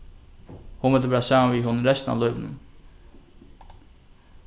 hon vildi vera saman við honum restina av lívinum